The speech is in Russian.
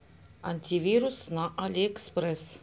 антивирус на алиэкспресс